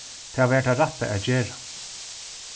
tað var tað rætta at gera